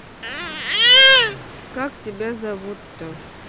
как у тебя зовут то